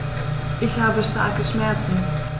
Ich habe starke Schmerzen.